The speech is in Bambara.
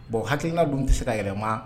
Bon hakili